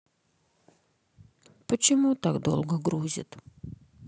почему так долго грузит